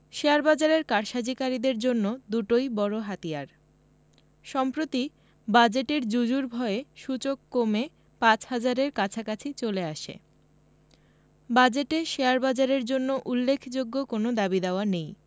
শেয়ারবাজারের কারসাজিকারীদের জন্য দুটোই বড় হাতিয়ার সম্প্রতি বাজেটের জুজুর ভয়ে সূচক কমে ৫ হাজারের কাছাকাছি চলে আসে বাজেটে শেয়ারবাজারের জন্য উল্লেখযোগ্য কোনো দাবিদাওয়া নেই